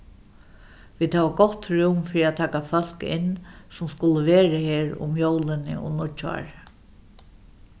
vit hava gott rúm fyri at taka fólk inn sum skulu vera her um jólini og nýggjárið